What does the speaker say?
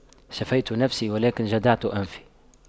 شفيت نفسي ولكن جدعت أنفي